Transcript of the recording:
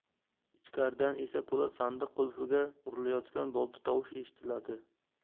ichkaridan esa po'lat sandiq qulfiga urilayotgan bolta tovush eshitiladi